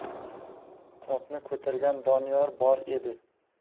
qopni ko'targan doniyor bor edi